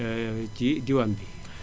ci diwaan bi